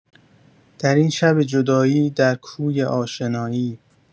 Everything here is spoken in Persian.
در این شب جدایی در کوی آشنایی